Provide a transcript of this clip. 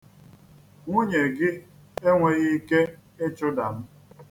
Nwunye gị enweghị ike ịchụda m.